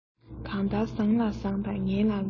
གང ལྟར བཟང ལ བཟང དང ངན ལ ངན